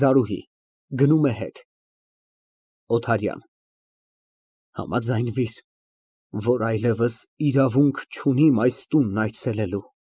ԶԱՐՈՒՀԻ ֊ (Գնում է հետ)։ ՕԹԱՐՅԱՆ ֊ Համաձայնվիր, որ այլևս իրավունք չունիմ այս տունն այցելելու։